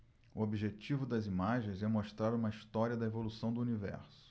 o objetivo das imagens é mostrar uma história da evolução do universo